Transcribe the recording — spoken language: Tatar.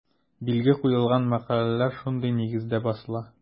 Билге куелган мәкаләләр шундый нигездә басыла.